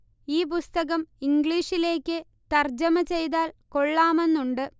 ഈ പുസ്തകം ഇംഗ്ലീഷിലേക്ക് തർജ്ജമ ചെയ്താൽ കൊള്ളാമെന്നുണ്ട്